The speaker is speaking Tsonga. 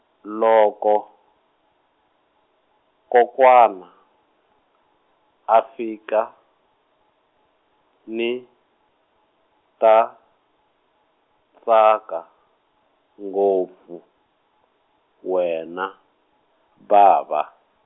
loko, kokwana, a fika, ni ta, tsaka, ngopfu, wena, bava.